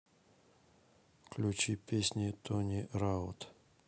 включи песни тони раут